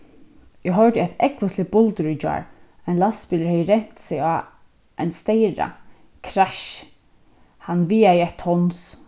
eg hoyrdi eitt ógvusligt buldur í gjár ein lastbilur hevði rent seg á ein steyra krassj hann vigaði eitt tons